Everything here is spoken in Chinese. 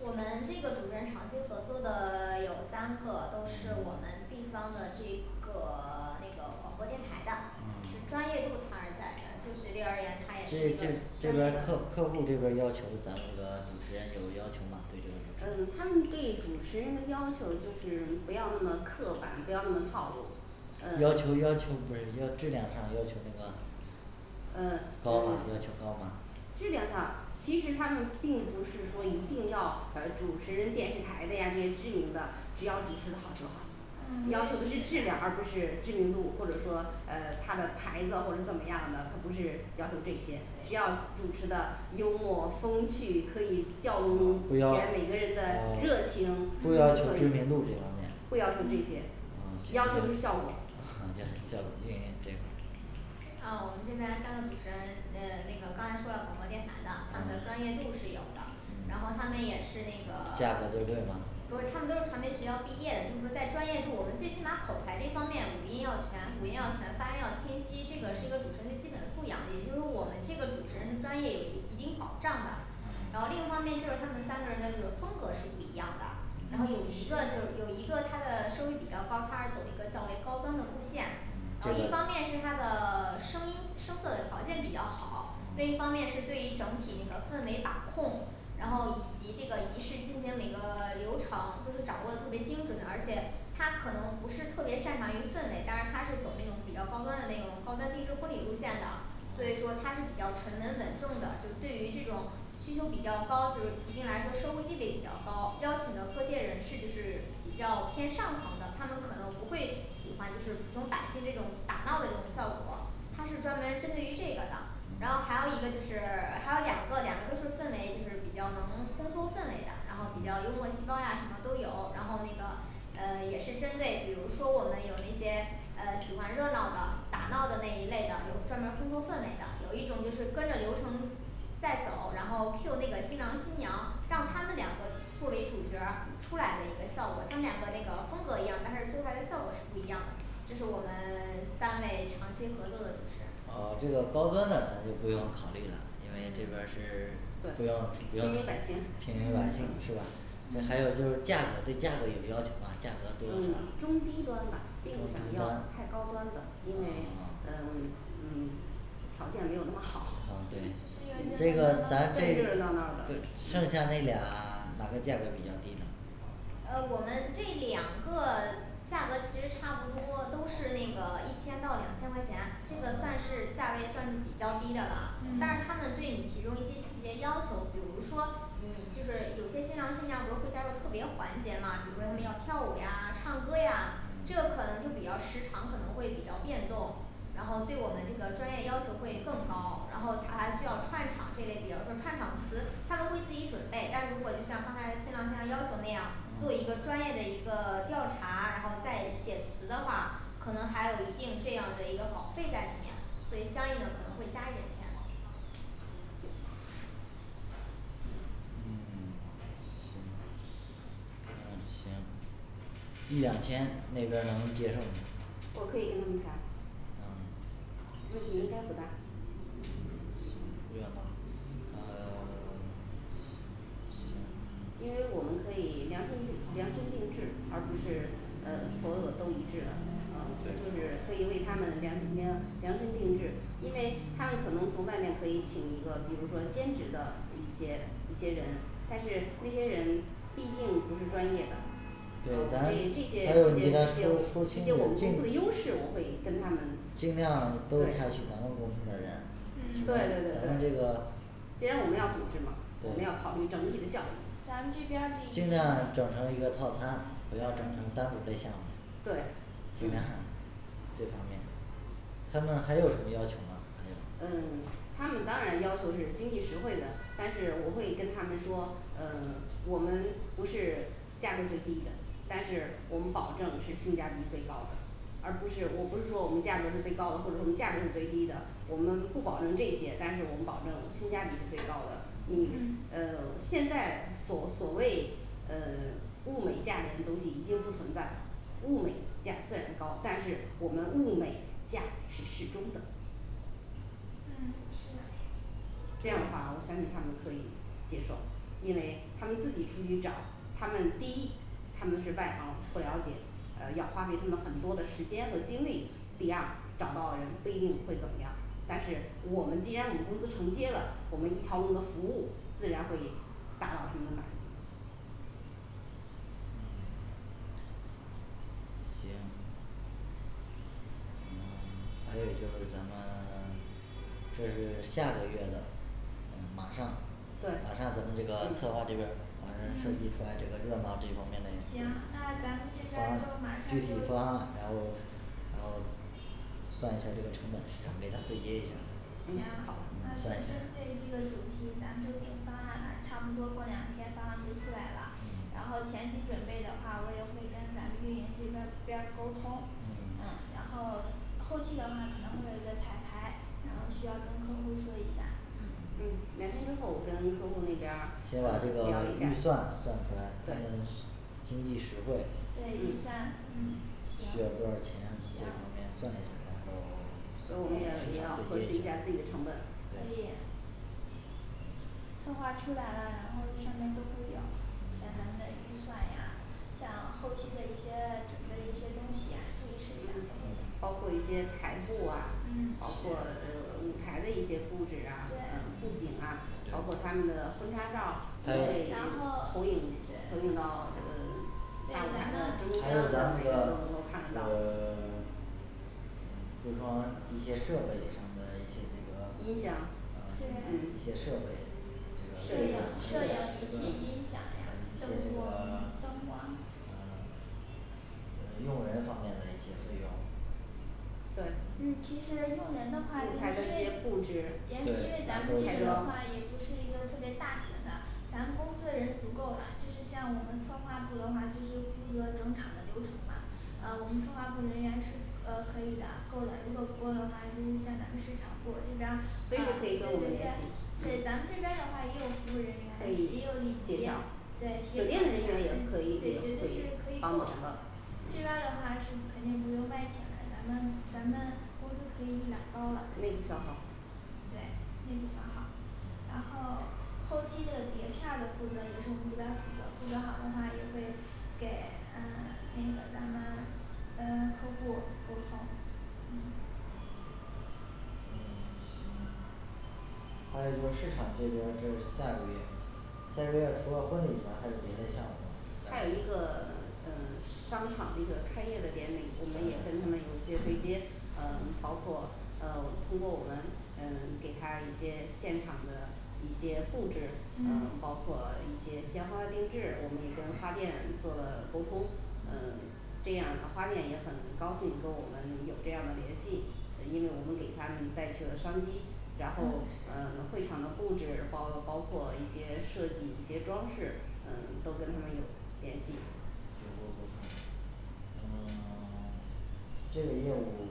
我们这个主持人长期合作的有三个都是我嗯们地方的这个 那个广播电台的这嗯专业度他是在的就随便而言他也这是一个这这专业边儿的客客户这边儿要求咱那个主持人有要求吗对这个嗯主持人他们对主持人的要求就是不要那么刻板，不要那么套路要呃求要求不是一个质量上要求那个嗯高吗要求高吗质量上其实他们并不是说一定要呃主持人电视台的呀这些知名的，只要主持的好就好呃要求我的是也是质觉的量，而不是知名度，或者说呃他的牌子或者怎么样的，他不是要求这些只要主持的幽默风趣，可以调动不起要来每个人的呃热情就不要求可知名以度这方面不要求这些嗯嗯要求就是是效效果果运营这边儿啊我们这边三个主持人嗯那个刚才说了广播电台的他们的专嗯业度是有的然嗯后他们也是那个价格最贵吗不是他们都是传媒学校毕业的就是说在专业度，我们最起码口才这方面五音要全五音要全发要清晰，这个是一个主持人最基本的素养，也就是我们这个主持人专业有一定保障的然嗯后另一方面就是他们三个人的这个风格是不一样的，然后有嗯一个就有一个他的收益比较高，他走一个较为高端的路线嗯，然后一这方个面是他的声音声色的条件比较好，另一嗯方面是对于整体那个氛围把控然后以及这个仪式进行每个流程都是掌握特别精准的，而且他可能不是特别擅长于氛围，但是他是走那种比较高端的那种高端定制婚礼路线的所以说他是比较沉稳稳重的，就对于这种需求比较高就一定来说社会地位比较高，邀请的各界人士就是比较偏上层的，他们可能不会喜欢就是普通百姓这种打闹的这种效果，它是专门针对于这个的，然后嗯还有一个就是还有两个两个都是氛围就是比较能烘托氛围的然后比较嗯幽默细胞呀什么都有然后那个呃也是针对比如说我们有那些呃喜欢热闹的打闹的那嗯一类的，有专门儿烘托氛围的，有一种就是跟着流程再走，然后Q那个新郎新娘让他们嗯两个作为主角儿出来的一个效果，他们两个那个风格一样但是做出来的效果是不一样的这是我们三位长期合作的主持人呃这个高端的咱就不用考虑了，因为这边嗯儿是不用对不用平民百姓平民百姓是吧？还有就是价格对价格有要求吗，价格多少嗯中低端吧并不中想低端要，太高端的，哦因为哦嗯嗯条件没有那么好好 就要热热闹的那个咱剩对闹的？热热闹闹的呃剩下那俩哪个价格比较低的嗯我们这两个价格其实差不多都是那个一千到两千块钱，这个算嗯是价位算是比较低的了，但是嗯嗯他们对你其中一些细节要求，比如说嗯就是有些新郎新娘不是会加入特别环节吗？比如说他们要嗯跳舞呀唱歌呀，这嗯可能就比较时长可能会比较变动然后对我们这个专业要求会更高，然后他还需要串场这类，比如说串场词他们会自己准备，但是如果就像刚才新郎新娘要求那样做一个嗯专业的一个调查，然后再写词的话，可能还有一定这样的一个保费在里面，所以相应的可能会加一点钱。嗯行。嗯行一两千那边儿能接受吗我可以跟他们谈嗯。问题应该不大呃 因为我们可以量身制量身定制，而不是呃所有的都一致的，呃就对是可以为他们量量量身定制因为他们可能从外面可以请一个比如说兼职的一些一些人，但是那些人毕竟不是专业的这那我们还这些有这你些们的这些五福这些我们公尽司的优势，我会跟他们尽量都采对取咱们公司的人。恩对对咱们这对对个。既然我们要组织嘛，我们要考虑整体的效益。咱们这边儿咱们这个比尽量整成一个套餐，不要整成单独嘞项目 对嗯这方面他们还有什么要求嘛？嗯他们当然要求是经济实惠的，但是我会跟他们说呃我们不是价格最低的，但是我们保证是性价比最高的，而不是我不是说我们价格是最高的，或者我们价格是最低的我们不保证这些，但是我们保证性价比是最高的，嗯呃现在所所谓呃物美价廉东西已经不存在物美价自然高，但是我们物美价是适中的这样的话我相信他们可以接受，因为他们自己出去找他们，第一他们是外行不了解，呃要花费他们很多的时间和精力。 第二，找到人不一定会怎么样但是我们既然我们公司承接了我们一条龙的服务，自然会达到他们的满意嗯，行嗯还有就是咱们 这是开始下个月的嗯马上对马上咱们这个策划嗯这边儿马上设嗯计出来这个热闹这方面的行那咱们这边儿就马上就方案然后算一下这个成本市场给他对接一下行嗯啊好嗯就算一下针儿对这个主题，咱就定方案了差不多过两天方案就出来了。然嗯后前期准备的话，我也会跟咱们运营这边儿边儿沟通，嗯嗯然后后期的话可能会有一个彩排，然后需要跟客户说一下嗯两天之后我跟客户那边先把这儿个聊一下预算算出来他对们是经济实惠经济实惠对预算嗯嗯需要多少钱这方面算一下然后然后我们也要也要核实一下自己的成本可以对策划出来了，然后上面都会有。咱们嗯再预算一下像后期的一些准备一些东西，注意事项，包括一些台布啊，包嗯括呃舞台的一些布置啊啊对布景啊，包括他们嗯的婚纱照，还还会然有呃后投影投影到呃还大有舞台的咱们中还有央咱让那每个人都能个够看得到呃 嗯会放那一些设备上的一些那个，音响对一些嗯设备摄影摄摄影影这个对嗯仪器嗯音响呀这灯个 光、灯嗯光呃用人方面的一些费用对嗯其实用人的舞话，因为台的一些布置因为咱对们这个还的话有也不是一个特别大型的，咱们公司的人足够了，就是像我们策划部的话就是负责整场的流程吧呃我们策划部人员是呃可以的，够了，如果不够的话，就是像咱们市场部这边儿随时可以跟我们联系。对，咱们这边的话也有服务人可员也有以协调对酒店的人员也可以也可以可帮忙以的这边儿的话是肯定不用外请的，咱们咱们公司可以把它包了内部消耗对嗯内部消耗。然嗯后后期的碟片儿的负责也是我们这边负责，负责好的话也会给嗯那个咱们呃客户沟通嗯嗯行那也就说市场这边儿这儿下个月下个月除了婚礼以外，还有别的项目还吗？有一个嗯商场一个开业的典礼，我们嗯也跟他们有一些对接嗯包括呃通过我们嗯给他一些现场的一些布置，嗯嗯包括一些鲜花定制，我们也跟花店做了沟通，呃嗯这样的花店也很高兴跟我们有这样的联系，呃因为我们给他们带去了商机然后嗯会场的布置，包包括一些设计，一些装饰嗯都跟他们有联系有过沟通嗯 这个业务嗯